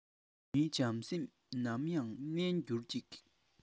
བོད མིའི བྱང སེམས ནམ ཡང གནས འགྱུར ཅིག